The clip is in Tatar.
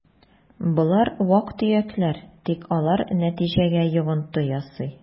Болар вак-төякләр, тик алар нәтиҗәгә йогынты ясый: